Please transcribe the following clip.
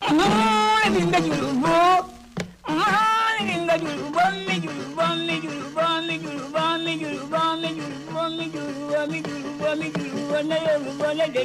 Wa wajugu m bajugubajugujugujuguba jaj